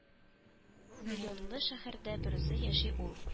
Миллионлы шәһәрдә берүзе яши ул.